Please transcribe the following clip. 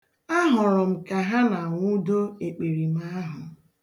Ahụrụ m ka ha na-anwụdo ekperima ahụ.